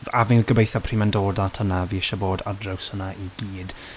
A fi'n gobeitho pryd ma'n dod at hynna, fi isie bod ar draws hynna i gyd.